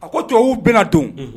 A ko tubabu'u bɛnana don